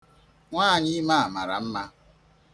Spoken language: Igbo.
Nwaànyìime a mara mma.